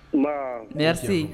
Na se